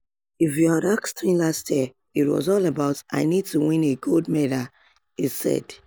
"If you had asked me last year, it was all about 'I need to win a gold medal'," he said.